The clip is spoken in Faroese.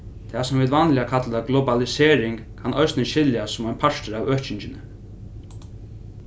tað sum vit vanliga kalla globalisering kann eisini skiljast sum ein partur av økingini